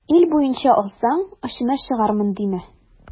Ил буенча алсаң, очына чыгармын димә.